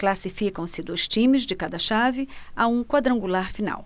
classificam-se dois times de cada chave a um quadrangular final